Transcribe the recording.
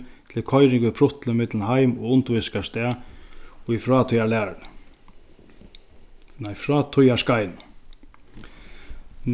til koyring við prutli millum heim og undirvísingarstað í frá læruni nei frá tíðarskeiðnum